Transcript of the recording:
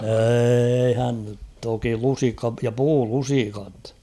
eihän nyt toki lusikka - ja puulusikat